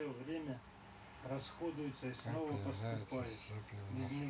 как появляются сопли в носу